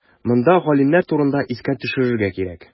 Монда галимнәр турында искә төшерергә кирәк.